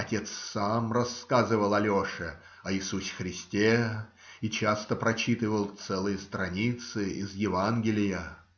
Отец сам рассказывал Алеше о Иисусе Христе и часто прочитывал целые страницы из Евангелия.